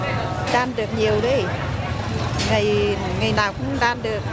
đan được nhiều đấy ngày ờ ngày nào cũng đan được